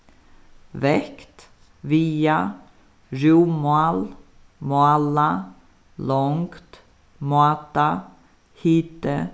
vekt viga rúmmál mála longd máta hiti